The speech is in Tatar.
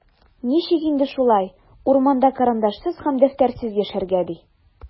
Ничек инде шулай, урманда карандашсыз һәм дәфтәрсез яшәргә, ди?!